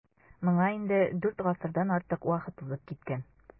Моңа инде дүрт гасырдан артык вакыт узып киткән.